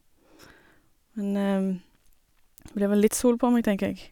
Men blir vel litt sol på meg, tenker jeg.